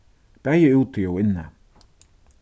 bæði úti og inni